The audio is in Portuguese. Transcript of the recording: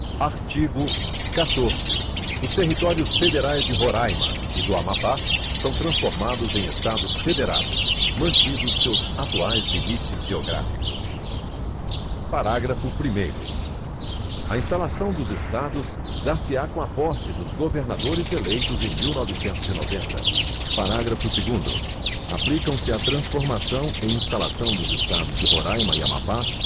artigo catorze os territórios federais de roraima e do amapá são transformados em estados federados mantidos seus atuais limites geográficos parágrafo primeiro a instalação dos estados dar se á com a posse dos governadores eleitos em mil novecentos e noventa parágrafo segundo aplicam se à transformação e instalação dos estados de roraima e amapá